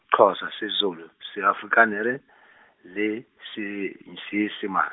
-thosa, Sezulu, Seaforikanse le, Se- n- Seesimane.